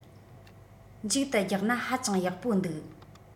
མཇུག ཏུ རྒྱག ན ཧ ཅང ཡག པོ འདུག